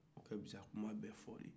o ka fisa kumabɛɛfɔ ye